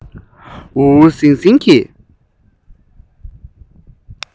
འུར འུར ཟིང ཟིང གིས